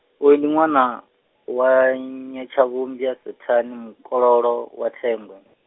uyu ndi ṅwana, wa Nyatshavhumbwa Swethani mukololo wa Thengwe.